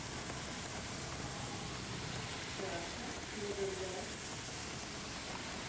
классно буду ждать